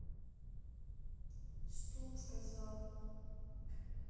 стоп сказал